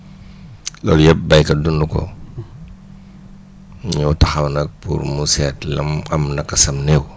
loolu yëpp béykat dund ko ñëw taxaw nag pour mu seet lam am naka sa néew